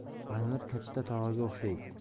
anvar katta tog'aga o'xshaydi